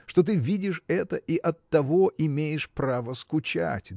что ты видишь это и оттого имеешь право скучать